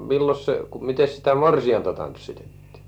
milloinkas se mitenkäs sitä morsianta tanssitettiin